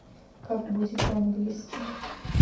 как будет по английски